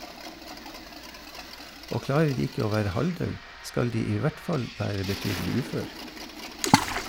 Og klarer de ikke å være halvdau, skal de i hvert fall være betydelig ufør.